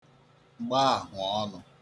gba àhụ̀ọnụ̄